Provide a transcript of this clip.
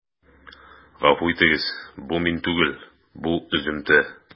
Гафу итегез, бу мин түгел, бу өземтә.